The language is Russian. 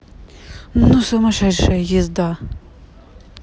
ну сумасшедшая езда